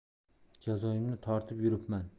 jazoimni tortib yuribman